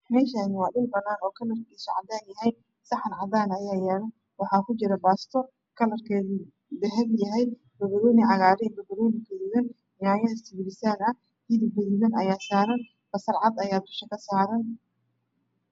Meeshaan waa dhul banaan ah oo kalarkiisu cadaan yahay saxan cadaan ah ayaa yaalo waxaa kujiro baasto kalarkeedu dahabi yahay banbanooni cagaaran iyo banbanooni gaduudan, yaanyo simisaam ah ayaa saaran basal cad ayaa dusha kasaaran.